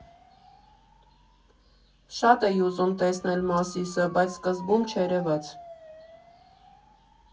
Շատ էի ուզում տեսնել Մասիսը, բայց սկզբում չերևաց։